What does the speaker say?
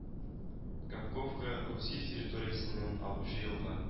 Копковка Русия территориясеннән агучы елга